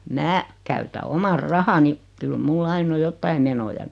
minä käytän omat rahani kyllä minulla aina on jotakin menoja niin